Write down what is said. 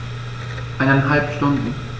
Eineinhalb Stunden